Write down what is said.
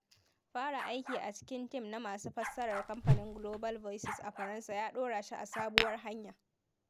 Fara aiki a cikin tim na masu fassarar Kamfanin Global Voices a Faransa ya ɗora shi a sabuwar hanya.